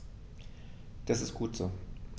Das ist gut so.